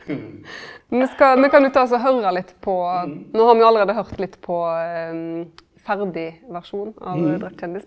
me skal me kan jo ta også høyra litt på nå har me allereie høyrt litt på ferdigversjonen av Drept kjendis.